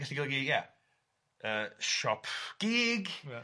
...gallu golygu ia yy siop gîg ia.